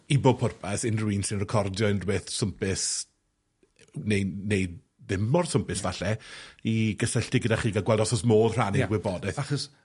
I bob pwrpas, unryw un sy'n recordio unrywbeth swmpus, neu neu ddim mor swmpus falle, i gysylltu gyda chi, ga'l gweld os o's modd rhannu... Ia... ...gwybodeth. ...achos